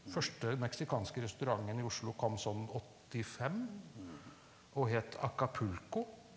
første meksikanske restauranten i Oslo kom sånn 85 og het Acapulco.